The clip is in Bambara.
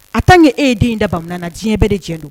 A tan' ee ye den in da baman na diɲɛ bɛɛ de jɛ don